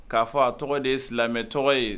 K'a fɔ a tɔgɔ de ye silamɛ tɔgɔ ye